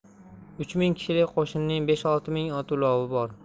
uch ming kishilik qo'shinning besh olti ming ot ulovi bor